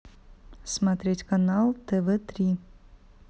смотреть канал тв три